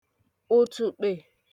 ùtùkpè